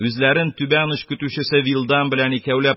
Үзләрен түбән оч көтүчесе вилдан белән икәүләп